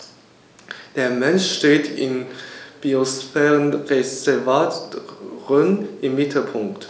Der Mensch steht im Biosphärenreservat Rhön im Mittelpunkt.